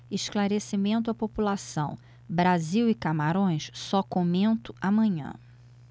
esclarecimento à população brasil e camarões só comento amanhã